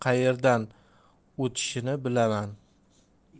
ham qayerdan o'tishini bilaman